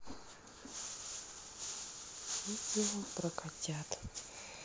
видео про котят